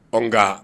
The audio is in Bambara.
Ɔwɔ ka